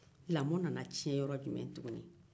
lamɔ nana tiɲɛ yɔrɔ jumɛn tugu